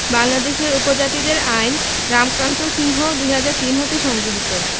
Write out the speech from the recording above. বাংলাদেশের উপজাতিদের আইন রামকান্ত সিংহ ২০০৩ হতে সংগৃহীত